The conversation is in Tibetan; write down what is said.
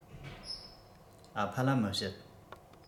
ཨ ཕ ལ མི བཤད